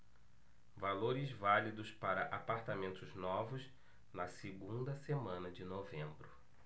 valores válidos para apartamentos novos na segunda semana de novembro